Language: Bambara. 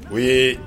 O